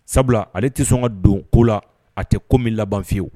Sabula ale tɛ sɔn ka don ko la a tɛ ko min labanyewu